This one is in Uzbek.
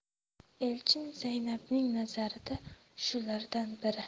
elchin zaynabning nazarida shulardan biri